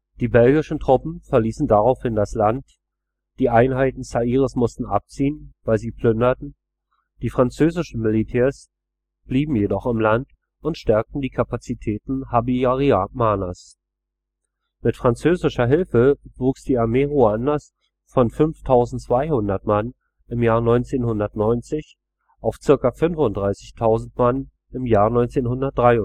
Die belgischen Truppen verließen daraufhin das Land, die Einheiten Zaires mussten abziehen, weil sie plünderten, die französischen Militärs blieben jedoch im Land und stärkten die Kapazitäten Habyarimanas. Mit französischer Hilfe wuchs die Armee Ruandas von 5200 Mann im Jahr 1990 auf zirka 35.000 Mann im Jahr 1993